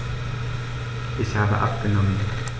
Ich habe abgenommen.